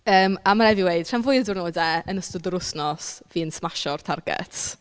Yym a ma' rhaid i fi weud rhan fwya o diwrnodau yn ystod yr wsnos fi'n smasio'r target.